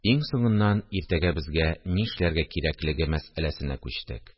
Иң соңыннан иртәгә безгә нишләргә кирәклеге мәсьәләсенә күчтек